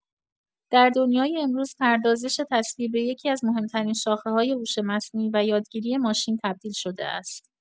در دنیای امروز، پردازش تصویر به یکی‌از مهم‌ترین شاخه‌های هوش مصنوعی و یادگیری ماشین تبدیل شده است.